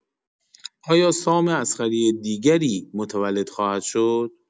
آیا سام اصغری دیگری متولد خواهد شد؟